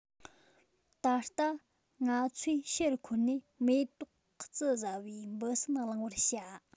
ད ལྟ ང ཚོས ཕྱིར འཁོར ནས མེ ཏོག རྩི བཟའ བའི འབུ སྲིན གླེང བར བྱ